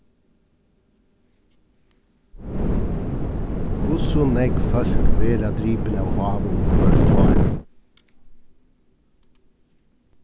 hvussu nógv fólk verða dripin av hávum hvørt ár